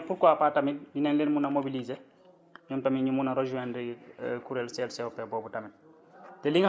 ñooñu ñëpp pourquoi pas tamit dinañ leen mën a mobiliser ñoom tamit ñu mën a rejoindre kuréel CLCOP boobu tamit